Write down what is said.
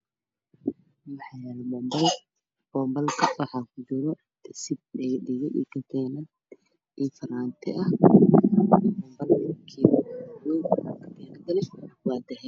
Waxaa yaala moobeel oo bal ah waxaa ku jira sed dhago dhago eh iyo katiinad iyo faraanti ah moobeelka waa baluug katiinadane waa dahabi.